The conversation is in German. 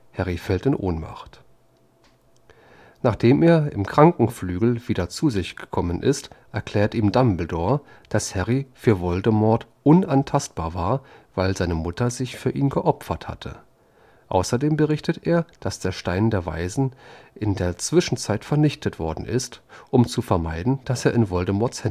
Harry fällt in Ohnmacht. Nachdem er im Krankenflügel wieder zu sich gekommen ist, erklärt ihm Dumbledore, dass Harry für Voldemort unantastbar war, weil seine Mutter sich für ihn geopfert hatte. Außerdem berichtet er, dass der Stein der Weisen in der Zwischenzeit vernichtet worden ist, um zu vermeiden, dass er in Voldemorts